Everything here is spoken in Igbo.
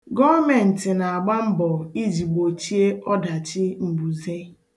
Gọọmentị na-agba mbọ iji gbochie ọdachi mbuze.